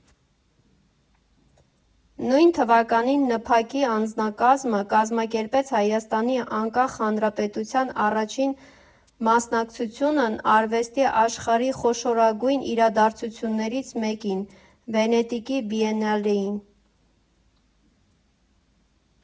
Նույն թվականին ՆՓԱԿ֊ի անձնակազմը կազմակերպեց Հայաստանի անկախ հանրապետության առաջին մասնակցությունն արվեստի աշխարհի խոշորագույն իրադարձություններից մեկին՝ Վենետիկի Բիենալեին։